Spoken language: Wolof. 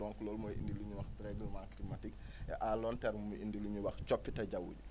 donc loolu mooy indi lu ñuy wax déreglement climatique te à long terme mu indi lu ñuy wax coppite jaww ji